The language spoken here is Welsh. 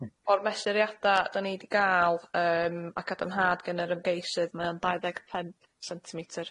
O'r mesuriada 'dan ni 'di ga'l yym, a cadarnhad gen yr ymgeisydd, mae o'n dau ddeg pump centimetr.